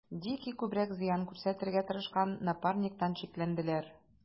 Дикий күбрәк зыян күрсәтергә тырышкан Напарниктан шикләнделәр.